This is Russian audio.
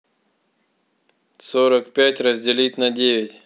сорок пять разделить на девять